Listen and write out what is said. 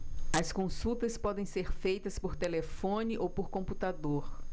as consultas podem ser feitas por telefone ou por computador